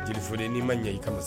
Jeli fɔ n'i ma ɲɛ i kama